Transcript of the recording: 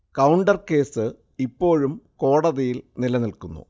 counter case ഇപ്പോഴും കോടതിയിൽ നിലനിൽക്കുന്നു